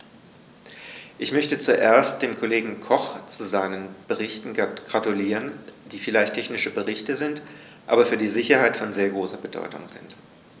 Ich möchte zuerst dem Kollegen Koch zu seinen Berichten gratulieren, die vielleicht technische Berichte sind, aber für die Sicherheit von sehr großer Bedeutung sind.